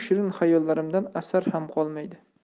shirin xayollarimdan asar ham qolmaydi